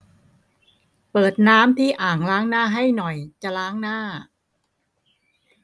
เปิดน้ำที่อ่างล้างหน้าให้หน่อยจะล้างหน้า